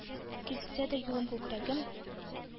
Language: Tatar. Киселсә дә юлым; күкрәгем